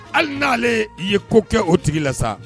Hali n'ale i ye ko kɛɛ o tigi la sa